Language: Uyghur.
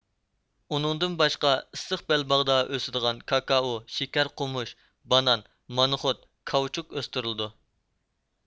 ئۇنىڭدىن باشقا ئىسسىق بەلباغدا ئۆسىدىغان كاكائو شېكەر قومۇشى بانان مانىخوت كاۋچۇك ئۆستۈرۈلىدۇ